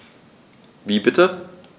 Wie bitte?